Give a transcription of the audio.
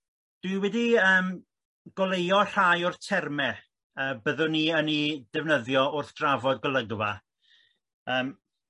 Dwi wedi yym goleuo rhai o'r terme yy byddwn ni yn i ddefnyddio wrth drafod golygfa yym